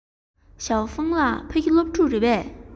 ཞའོ ཧྥུང ལགས ཕ གི སློབ ཕྲུག རེད པས